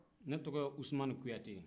ne tɔgɔ ye usumani kuyate